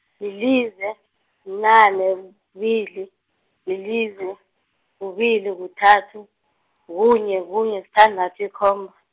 lilize, bunane kubili, lilize u-, kubili kuthathu, kunye, kunye, sithandathu yikomba.